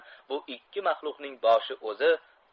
bu ikki maxluqning boshi o'zi